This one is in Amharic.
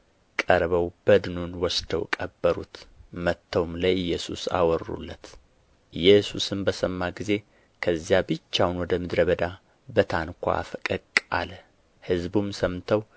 ቀርበው በድኑን ወሰዱና ቀበሩት መጥተውም ለኢየሱስ አወሩለት ኢየሱስም በሰማ ጊዜ ከዚያ ብቻውን ወደ ምድረ በዳ በታንኳ ፈቀቅ አለ ሕዝቡም ሰምተው